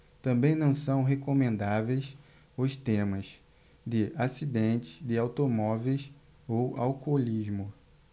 também não são recomendáveis os temas de acidentes de automóveis ou alcoolismo